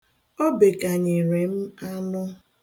O bekanyere m anụ.